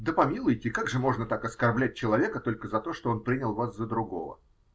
-- Да помилуйте, как же можно так оскорблять человека только за то, что он принял вас за другого?